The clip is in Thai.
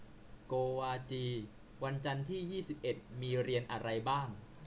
โกวาจีวันจันทร์ที่ยี่สิบเอ็ดมีเรียนอะไรบ้าง